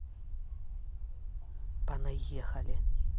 понаехали